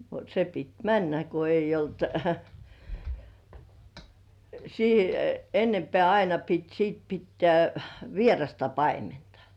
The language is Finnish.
se piti mennä kun ei ollut - enempää aina piti sitten pitää vierasta paimenta